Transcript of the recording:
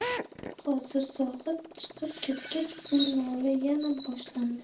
hozir zohid chiqib ketgach bu nola yana boshlandi